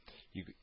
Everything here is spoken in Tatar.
Йөге